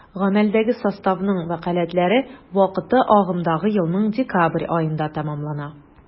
Гамәлдәге составның вәкаләтләре вакыты агымдагы елның декабрь аенда тәмамлана.